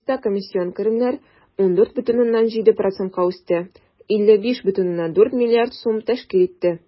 Чиста комиссион керемнәр 14,7 %-ка үсте, 55,4 млрд сум тәшкил итте.